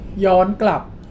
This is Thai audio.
ย้อนกลับ